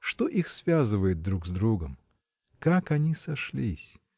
Что их связывает друг с другом? Как они сошлись?